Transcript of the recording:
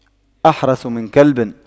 أحرس من كلب